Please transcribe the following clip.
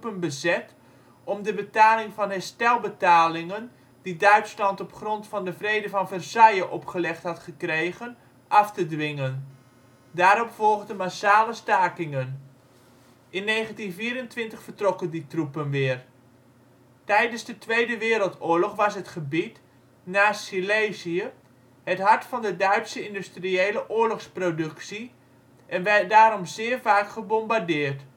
bezet om de betaling van herstelbetalingen die Duitsland op grond van de Vrede van Versailles opgelegd had gekregen, af te dwingen. Daarop volgden massale stakingen. In 1924 vertrokken die troepen weer. Tijdens de Tweede Wereldoorlog was het gebied, naast Silezië, het hart van de Duitse industriële oorlogsproductie en werd daarom zeer vaak gebombardeerd